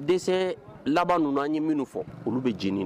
Dɛsɛ laban ninnu an ye minnu fɔ olu bɛ j ye